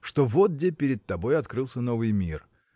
что вот-де перед тобой открылся новый мир.